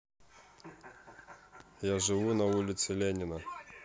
я живу на улице ленина